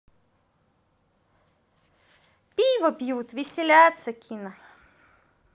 пиво пьют веселятся kina